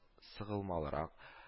Сыгылмалырак